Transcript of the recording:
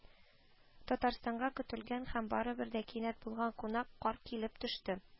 Татарстанга көтелгән һәм барыбер дә кинәт булган кунак - кар килеп төште